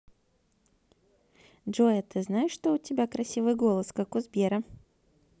джой а ты знаешь что у тебя красивый голос как у сбера